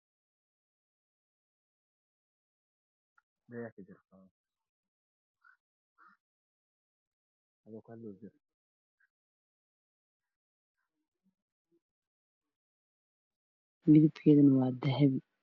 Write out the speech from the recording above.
Waa boonbale midabkiisi yahay madow waxaa suran katin midabkiisu yahay dahabi darbiga wa cadaan